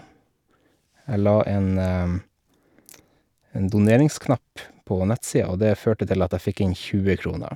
Jeg la en en doneringsknapp på nettsia, og det førte til at jeg fikk inn tjue kroner.